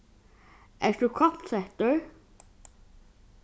ert tú koppsettur